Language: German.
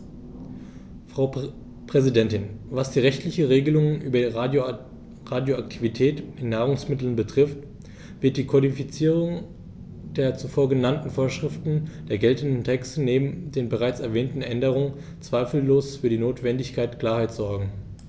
Frau Präsidentin, was die rechtlichen Regelungen über Radioaktivität in Nahrungsmitteln betrifft, wird die Kodifizierung der zuvor genannten Vorschriften der geltenden Texte neben den bereits erwähnten Änderungen zweifellos für die notwendige Klarheit sorgen.